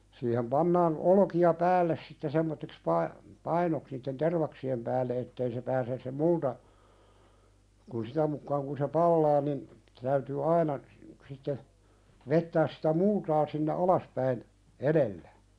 siihen pannaan olkia päälle sitten semmoiseksi painoksi niiden tervaksien päälle että ei se pääse se multa kun sitä mukaan kun se palaa niin täytyy aina sitten vetää sitä multaa sinne alaspäin edellä